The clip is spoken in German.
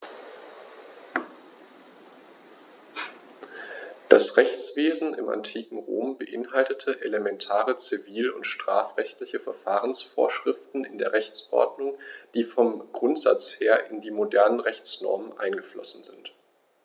Das Rechtswesen im antiken Rom beinhaltete elementare zivil- und strafrechtliche Verfahrensvorschriften in der Rechtsordnung, die vom Grundsatz her in die modernen Rechtsnormen eingeflossen sind.